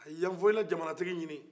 a ye yanfɔlila jamana tigi ɲini